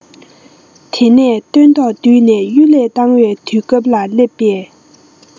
དེ ནས སྟོན ཐོག བསྡུས ནས གཡུལ ལས བཏང བའི དུས སྐབས ལ སླེབས པས